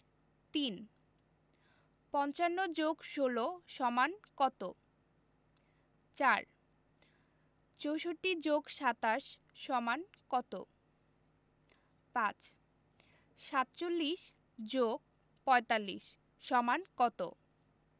৩ ৫৫ + ১৬ = কত ৪ ৬৪ + ২৭ = কত ৫ ৪৭ + ৪৫ = কত